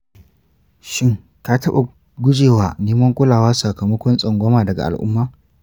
shin ka taɓa gujewa neman kulawa sakamakon tsangwama daga al’umma?